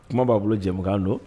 Kuma b'a bolo jɛkan don